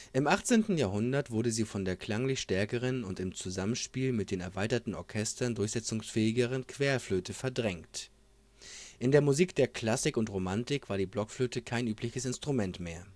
Im 18. Jahrhundert wurde sie von der klanglich stärkeren und im Zusammenspiel mit den erweiterten Orchestern durchsetzungsfähigeren Querflöte verdrängt: In der Musik der Klassik und Romantik war die Blockflöte kein übliches Instrument mehr